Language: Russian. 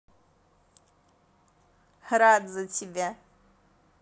рад тебя